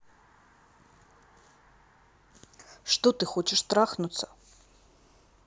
что ты хочешь трахнуться